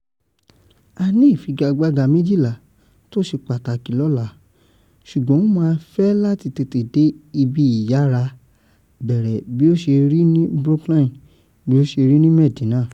"A ní ìfigagbága 12 tó ṣe pàtàkì lóla, ṣùgbọ́n o máa fẹ́ láti tètè dé ibi ìyára bẹ̀rẹ̀ bí i ọ ṣe rí i ní Brookline, bí o ṣe rí i ní Medinah.